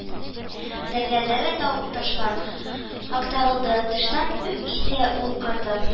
Дөрләде, тау-ташлар актарылды, тыштан исә ул катып